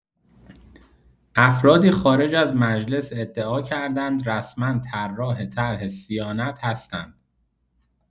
افرادی خارج از مجلس ادعا کردند رسما طراح طرح صیانت هستند.